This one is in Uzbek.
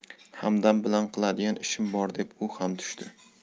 hamdam bilan qiladigan ishim bor deb u ham tushdi